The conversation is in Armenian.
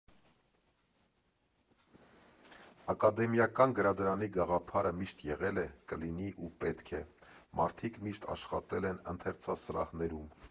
Ակադեմիական գրադարանի գաղափարը միշտ եղել է, կլինի ու պետք է, մարդիկ միշտ աշխատել են ընթերցասրահներում։